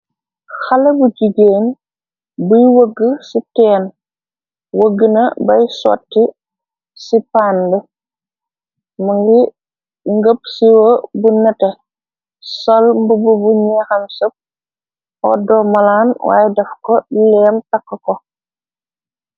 Xalèh bu jigéen buy wëgg ci ten wëgg na bay sotti ci pan bi mugii ngëp siwo bu netteh, sol mbubu bu nexam sëp oddo malaan waaye def ko leem takka ko.